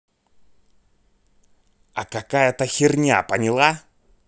а какая то херня поняла